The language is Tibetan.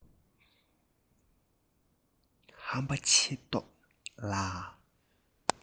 ཧམ པ ཆེ མདོག ལ